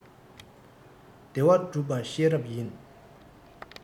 བདེ བ བསྒྲུབ པ ཤེས རབ ཡིན